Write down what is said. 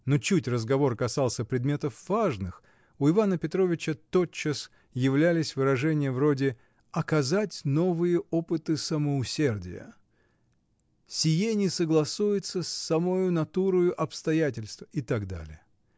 но чуть разговор касался предметов важных, у Ивана Петровича тотчас являлись выражения вроде: "оказать новые опыты самоусердия", "сие не согласуется с самою натурою обстоятельства" и т. д.